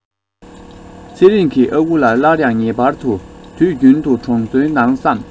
ཚེ རིང གི ཨ ཁུ ལ སླར ཡང ངེས པར དུ དུས རྒྱུན དུ གྲོང ཚོའི ནང བསམ